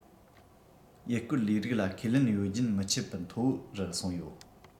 ཡུལ སྐོར ལས རིགས ལ ཁས ལེན ཡོད རྒྱུན མི ཆད པར མཐོ རུ སོང ཡོད